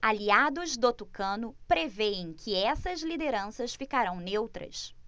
aliados do tucano prevêem que essas lideranças ficarão neutras